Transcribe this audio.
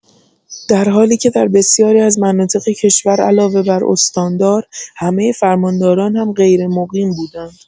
در حالی که در بسیاری از مناطق کشور علاوه بر استاندار، همه فرمانداران هم غیرمقیم بودند.